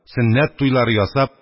Сөннәт туйлары ясап